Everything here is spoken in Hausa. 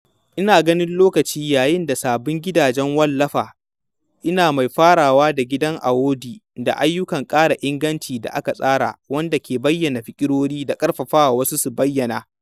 Ina ganin lokaci yayi da sabbin gidajen wallafa, ina mai farawa da gidan Awoudy, da ayyukan ƙara inganci da aka tsara wanda ke bayyana fikirori da ƙarfafa wasu su bayyana.